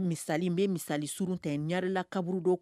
Misa bɛ misali surun ta ɲala kaburu dɔ